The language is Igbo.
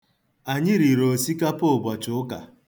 Anyị riri osikpa ụbọchị ụka.